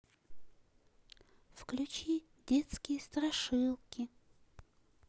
включи страшилки детские